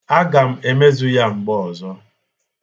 Aga m emezu ya mgbe ọzọ.